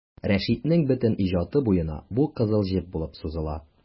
Рәшитнең бөтен иҗаты буена бу кызыл җеп булып сузыла.